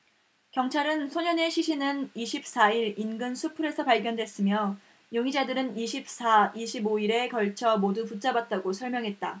경찰은 소년의 시신은 이십 사 일 인근 수풀에서 발견됐으며 용의자들을 이십 사 이십 오 일에 걸쳐 모두 붙잡았다고 설명했다